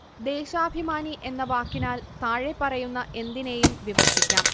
ദേശാഭിമാനി എന്ന വാക്കിനാൽ താഴെപ്പറയുന്ന എന്തിനേയും വിവക്ഷിക്കാം